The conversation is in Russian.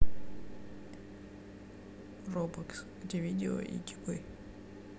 робокс где видео и чипы